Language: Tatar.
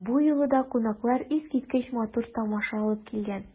Бу юлы да кунаклар искиткеч матур тамаша алып килгән.